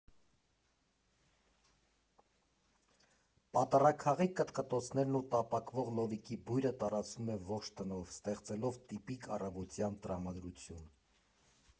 Պատառաքաղի կտկտոցներն ու տապակվող լոլիկի բույրը տարածվում է ողջ տնով՝ ստեղծելով տիպիկ առավոտյան տրամադրություն։